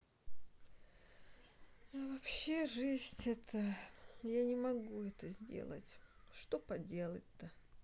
вообще жизнь это я не могу это сделать что поделать то